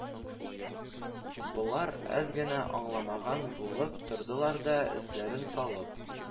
Болар әз генә аңламаган булып тордылар да, өсләрен салып,